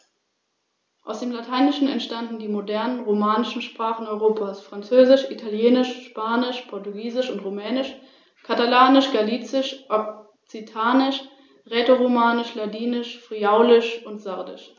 Der Schwanz wird aus 12 Steuerfedern gebildet, die 34 bis 42 cm lang sind.